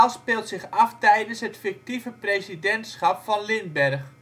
speelt zich af tijdens het (fictieve) presidentschap van Lindbergh